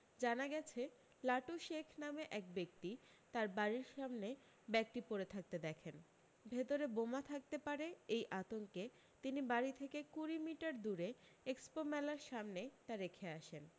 জানা গেছে লাটু শেখ নামে এক ব্যক্তি তার বাড়ীর সামনে ব্যাগটি পড়ে থাকতে দেখেন ভেতরে বোমা থাকতে পারে এই আতঙ্কে তিনি বাড়ী থেকে কুড়ি মিটার দূরে এক্সপো মেলার সামনে তা রেখে আসেন